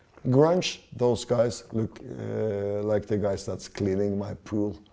grønsj .